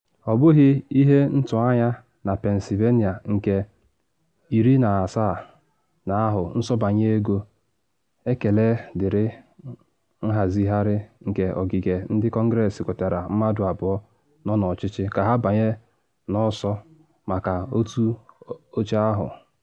Ọ bụghị ihe ntụnanya na Pennsylvannia nke 17th na ahụ nsọbanye ego, ekele dịịrị nhazigharị nke ogige ndị kọngress nwetara mmadụ abụọ nọ n’ọchịchị ka ha banye n’ọsọ maka otu oche ahụ.